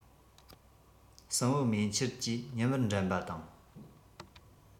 སྲིན བུ མེ ཁྱེར གྱིས ཉི མར འགྲན པ དང